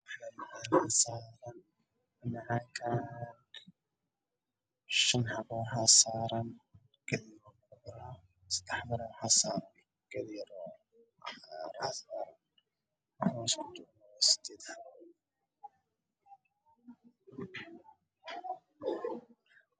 Waa saxan cadaan waxaa ku jira keek